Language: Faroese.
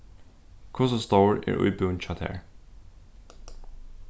hvussu stór er íbúðin hjá tær